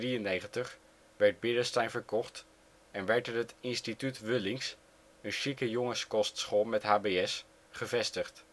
In 1893 werd Beresteyn verkocht en werd er het ' Instituut Wullings ', een chique jongenskostschool met HBS, gevestigd